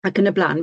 Ac yn y bla'n.